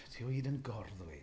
Ti o hyd yn gorddweud.